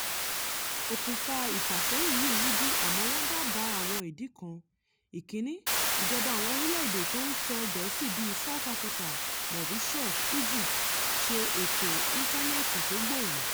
Òkùnfà ìfàsẹ́yìn yìí rújú àmọ́ wọ́n dábàá àwọn ìdí kan: 1)Ìjọba àwọn orílẹ̀ èdè tó ń sọ Gẹ́ẹ̀sì bii (South Africa, Mauritius, Egypt) ṣe ètò ìǹtánẹ́ẹ̀tì tó gbóòrò.